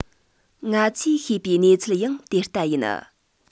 ང ཚོས ཤེས པའི གནས ཚུལ ཡང དེ ལྟ ཡིན